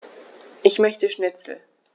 Ich möchte Schnitzel.